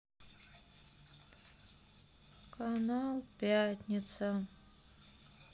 канал пятница